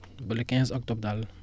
ba le quinze octobre daal